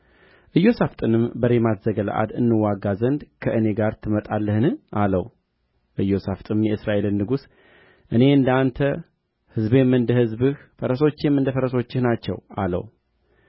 ኢዮሣፍጥንም በሬማት ዘገለዓድ እንዋጋ ዘንድ ከእኔ ጋር ትመጣለህን አለው ኢዮሣፍጥም የእስራኤልን ንጉሥ እኔ እንደ አንተ ሕዝቤም እንደ ሕዝብህ ፈረሶቼም እንደ ፈረሶችህ ናቸው አለው